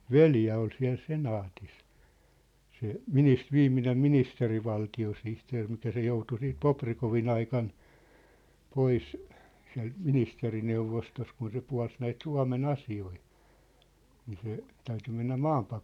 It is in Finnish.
veli oli siellä senaatissa se - viimeinen ministerivaltiosihteeri mikä se joutui sitten Bobrikovin aikana pois sieltä ministerineuvostosta kun se puolsi näitä Suomen asioita niin se täytyi mennä -